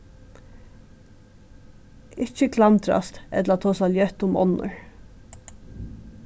ikki klandrast ella tosa ljótt um onnur